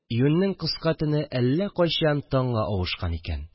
Июньнең кыска төне әллә кайчан таңга авышкан икән